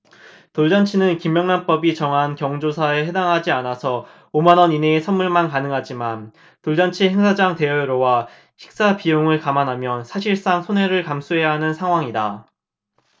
돌잔치는 김영란법이 정한 경조사에 해당하지 않아서 오 만원 이내의 선물만 가능하지만 돌잔치 행사장 대여료와 식사비용을 감안하면 사실상 손해를 감수해야 하는 상황이다